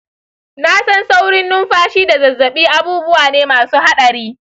na san saurin numfashi da zazzabi abubuwa ne masu haɗari.